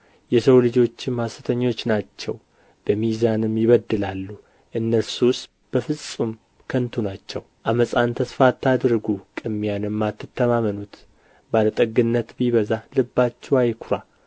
የሰው ልጆችም ሐሰተኞች ናቸው በሚዛንም ይበድላሉ እነርሱስ በፍጹም ከንቱ ናቸው ዓመፃን ተስፋ አታድርጉ ቅሚያንም አትተማመኑት ባለጠግነት ቢበዛ ልባችሁ አይኵራ